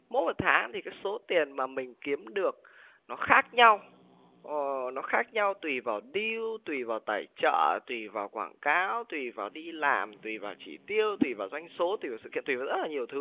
mỗi một tháng thì cái số tiền mà mình kiếm được nó khác nhau ồ nó khác nhau tùy vào điu tùy vào tài trợ tùy vào quảng cáo tùy vào đi làm tùy vào chỉ tiêu tùy vào doanh số tùy vào sự kiện tùy vào rất là nhiều thứ